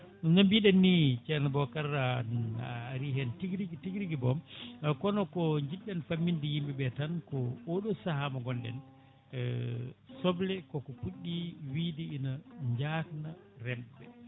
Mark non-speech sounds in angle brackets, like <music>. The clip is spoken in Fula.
no mbiɗenni ceerno Bocar a ari hen tiguirigui tiguirigui boom kono ko jiɗɗen famminde yimɓeɓe tan ko oɗo saaha mo gonɗen <hesitation> soble koko puɗɗi wiide ina jasna remɓeɓe